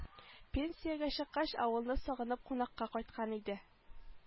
Пенсиягә чыккач авылны сагынып кунакка кайткан иде